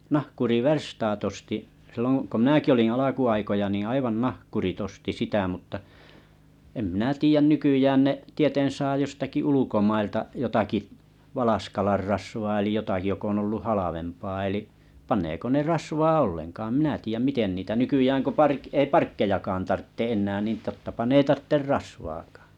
nahkuriverstaat osti silloin kun minäkin olin alkuaikoja niin aivan nahkurit osti sitä mutta en minä tiedä nykyään ne tieten saa jostakin ulkomailta jotakin valaskalan rasvaa eli jotakin joka on ollut halvempaa eli paneeko ne rasvaa ollenkaan en minä tiedä miten niitä nykyään kun - ei parkkejakaan tarvitse enää niin tottapa ne ei tarvitse rasvaakaan